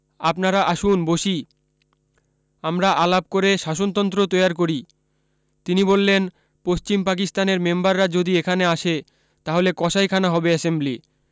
আপনারা আসুন বসি আমরা আলাপ করে শাসনতন্ত্র তৈয়ার করি তিনি বললেন পশ্চিম পাকিস্তানের মেম্বাররা যদি এখানে আসে তাহলে কসাইখানা হবে এসেম্বলি